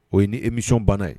O ye ni émission banna yen